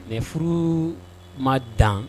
Mɛ furu ma dan